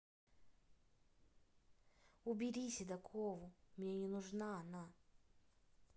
убери седокову мне не нужна она